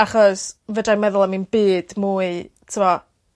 Achos fedrai'm meddwl am 'im byd mwy t'mo'